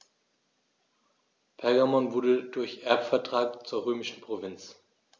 Pergamon wurde durch Erbvertrag zur römischen Provinz.